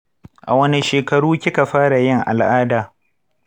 a wane shekaru kika fara yin al’ada?